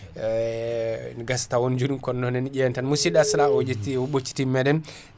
ne gassa taw won * kono non en ƴewat tan mussidɗo assalam o ƴetti o ɓoccitima meɗen